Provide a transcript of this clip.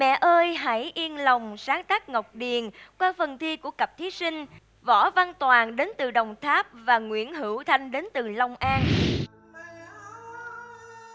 mẹ ơi hãy yên lòng sáng tác ngọc điền qua phần thi của cặp thí sinh võ văn toàn đến từ đồng tháp và nguyễn hữu thanh đến từ long an